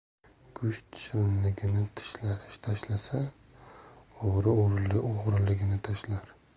go'sht shirinligini tashlasa o'g'ri o'g'riligini tashlar